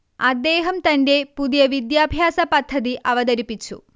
അദ്ദേഹം തന്റെ പുതിയ വിദ്യാഭ്യാസപദ്ധതി അവതരിപ്പിച്ചു